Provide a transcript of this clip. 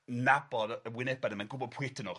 nabod y y wyneba' a mae'n gwbo pwy ydyn nw.